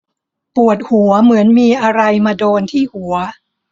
ปวดหัวเหมือนมีอะไรมาโดนที่หัว